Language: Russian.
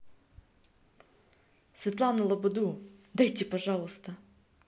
светлану лободу дайте пожалуйста